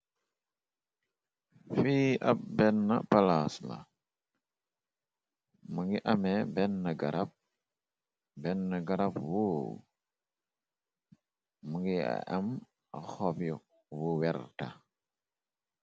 fii benn palaas la mu ngi ame bena grab benn garab bobu mungi am xoob bu werta